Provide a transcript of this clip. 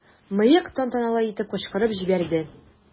"мыек" тантаналы итеп кычкырып җибәрде.